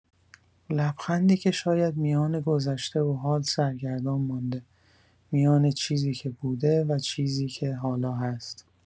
لبخندی که شاید میان گذشته و حال سرگردان مانده، میان چیزی که بوده و چیزی که حالا هست.